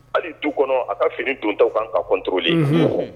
Hali du kɔnɔ a ka fini don taw ka kan ka conroller